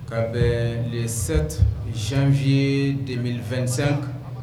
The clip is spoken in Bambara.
' bɛ lesɛ si v ye de2sɛn